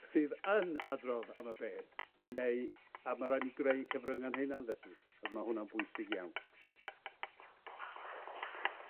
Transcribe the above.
sydd yn adrodd am y peth, neu a ma' raid ni greu cyfrynga'n hunan felly, a ma' hwnna'n bwysig iawn.